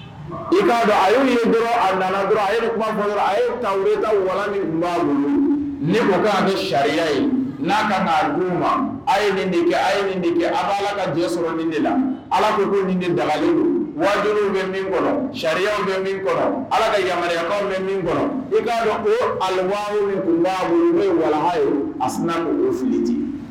I'a dɔn a a dɔrɔn a bɔ a ye ta walan tun ba ni mɔ a ni sariya ye n ka naa ma ye ye nin nin kɛ a bɛ ala ka diɲɛ sɔrɔ de la ala dala wa bɛ kɔnɔ sariyaw bɛ ala bɛ yamaruyaw bɛ kɔnɔ ali walan a sina filiti